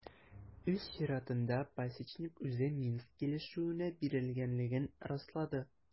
Үз чиратында Пасечник үзе Минск килешүенә бирелгәнлеген раслады.